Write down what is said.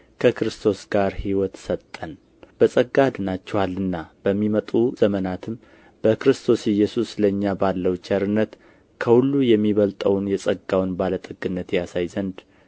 ከክርስቶስ ጋር ሕይወት ሰጠን በጸጋ ድናችኋልና በሚመጡ ዘመናትም በክርስቶስ ኢየሱስ ለእኛ ባለው ቸርነት ከሁሉ የሚበልጠውን የጸጋውን ባለ ጠግነት ያሳይ ዘንድ